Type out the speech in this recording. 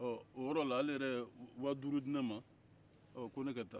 o yɔrɔ la ale yɛrɛ ye baduuru di ne ma ko ne ka taa